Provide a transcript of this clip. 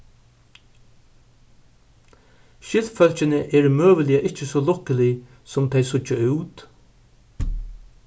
skyldfólkini eru møguliga ikki so lukkulig sum tey síggja út